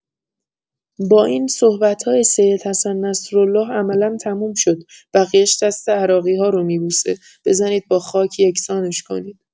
با این صحبت‌های سید حسن نصرالله عملا تموم شد، بقیش دست عراقی‌ها رو می‌بوسه، بزنید با خاک یکسانش کنید.